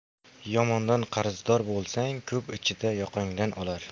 yomondan qarzdor bo'lsang ko'p ichida yoqangdan olar